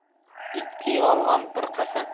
ikki yolg'on bir qasam